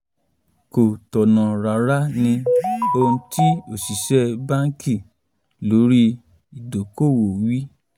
Kò tọ̀nà rárá,” ni ohun tí òṣìṣẹ́ báǹkì lórí ìdókòwò wí,